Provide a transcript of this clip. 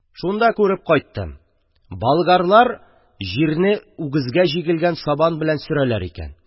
Шунда күреп кайттым: болгарлар җирне үгезгә җиккән сабан белән сөрәләр икән.